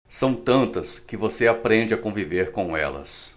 são tantas que você aprende a conviver com elas